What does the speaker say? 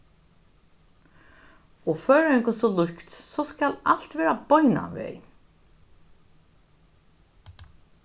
og føroyingum so líkt so skal alt verða beinanvegin